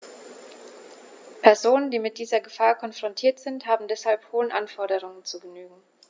Personen, die mit dieser Gefahr konfrontiert sind, haben deshalb hohen Anforderungen zu genügen.